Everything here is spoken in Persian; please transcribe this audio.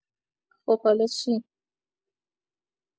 خب حالا چی؟